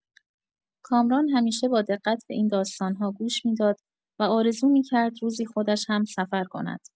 کامران همیشه با دقت به این داستان‌ها گوش می‌داد و آرزو می‌کرد روزی خودش هم‌سفر کند.